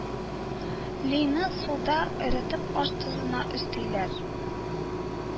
Лийны суда эретеп аш тозына өстиләр